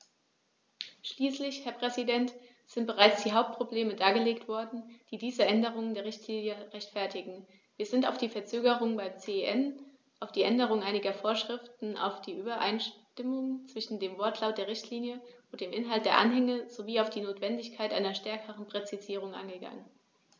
Schließlich, Herr Präsident, sind bereits die Hauptprobleme dargelegt worden, die diese Änderung der Richtlinie rechtfertigen, wir sind auf die Verzögerung beim CEN, auf die Änderung einiger Vorschriften, auf die Übereinstimmung zwischen dem Wortlaut der Richtlinie und dem Inhalt der Anhänge sowie auf die Notwendigkeit einer stärkeren Präzisierung eingegangen.